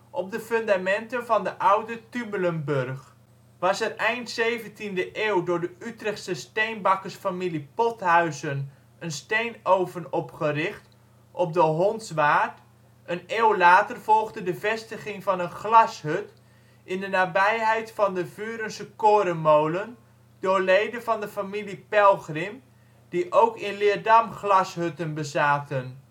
op de fundamenten van de oude Tumelenburg. Was er eind zeventiende eeuw door de Utrechtse steenbakkersfamilie Pothuysen een steenoven opgericht op de Hondswaard, een eeuw later volgde de vestiging van een glashut in de nabijheid van de Vurense korenmolen door leden van de familie Pelgrim, die ook in Leerdam glashutten bezaten